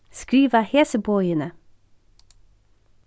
skriva hesi boðini